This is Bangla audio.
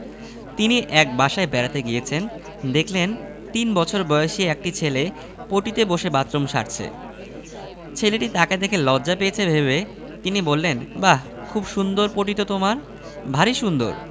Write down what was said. তিনি এক বাসায় বেড়াতে গিয়েছেন দেখলেন তিন বছর বয়সী একটি ছেলে পটিতে বসে বাথরুম সারছে ছেলেটি তাকে দেখে লজ্জা পেয়েছে ভেবে তিনি বললেন বাহ খুব সুন্দর পটি তো তোমার ভারী সুন্দর